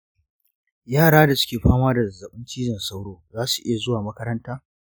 yara da suke pama da zazzaɓin cizon sauro zasu iya zuwa makaranta?